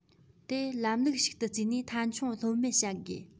དེ ལམ ལུགས ཤིག ཏུ བརྩིས ནས མཐའ འཁྱོངས ལྷོད མེད བྱ དགོས